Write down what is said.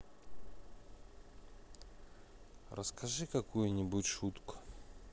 расскажи какую нибудь шутку